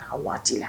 A ka waati na